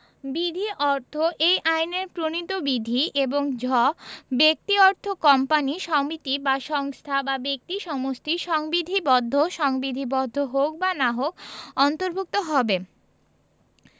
জ বিধি অর্থ এই আইনের প্রণীত বিধি এবং ঝ ব্যক্তি অর্থ কোম্পানী সমিতি বা সংস্থা বা ব্যক্তি সমষ্টি সংবিধিবদ্ধ সংবিধিবদ্ধ হউক বা না হউক অন্তর্ভুক্ত হবে